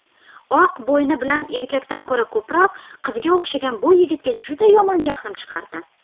oq bo'yni bilan erkakdan ko'ra ko'proq qizga o'xshagan bu yigitga juda yomon jahlim chiqardi